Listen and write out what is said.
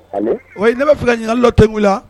Allo ne b'a fɔ k'a ɲinikali dɔ tenkun i la.